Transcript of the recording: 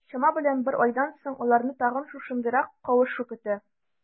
Чама белән бер айдан соң, аларны тагын шушындыйрак кавышу көтә.